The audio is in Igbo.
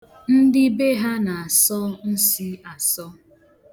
Ndị be ha na-asọ nsi asọ